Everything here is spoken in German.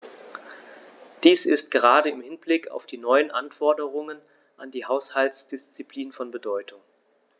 Dies ist gerade im Hinblick auf die neuen Anforderungen an die Haushaltsdisziplin von Bedeutung.